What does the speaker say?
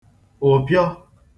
ụ̀pịọ